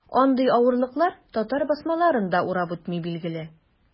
Андый авырлыклар татар басмаларын да урап үтми, билгеле.